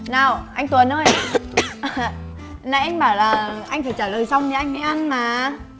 nào anh tuấn ơi nãy anh bảo là anh phải trả lời xong thì anh ăn mà